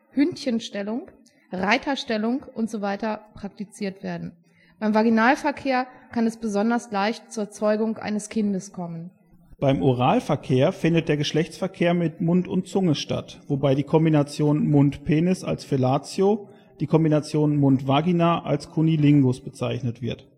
Hündchenstellung “,„ Reiterstellung “usw. praktiziert werden. Beim Vaginalverkehr kann es besonders leicht zur Zeugung eines Kindes kommen. Beim Oralverkehr findet der Geschlechtsverkehr mit Mund und Zunge statt, wobei die Kombination Mund-Penis als „ Fellatio “, die Kombination Mund-Vagina als „ Cunnilingus “bezeichnet wird